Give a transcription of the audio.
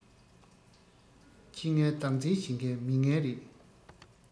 ཁྱི ངན བདག འཛིན བྱེད མཁན མི ངན རེད